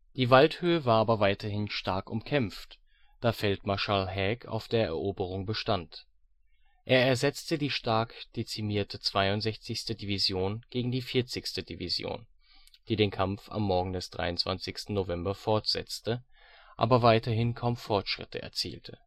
Die Waldhöhe war aber weiterhin stark umkämpft, da Feldmarschall Haig auf der Eroberung bestand. Er ersetzte die stark dezimierte 62. Division gegen die 40. Division (MG Ponsonby), die den Kampf am Morgen des 23. November fortsetzte, aber weiterhin kaum Fortschritte erzielte